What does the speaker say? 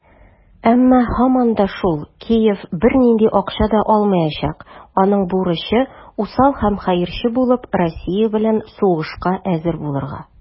Әмма, һаман да шул, Киев бернинди акча да алмаячак - аның бурычы усал һәм хәерче булып, Россия белән сугышка әзер булырга.